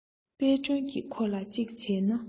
དཔལ སྒྲོན གྱིས ཁོ ལ གཅིག བྱས ན